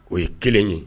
O ye kelen ye